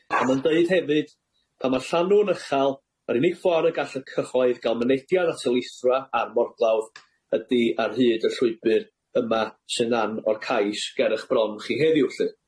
A ma'n deud hefyd, pan ma'r llanw'n uchal, yr unig ffor y gall y cyhoedd ga'l mynediad at y lithrfa a'r morglawdd, ydi ar hyd y llwybyr yma sy'n ran o'r cais ger 'ych bron chi heddiw lly.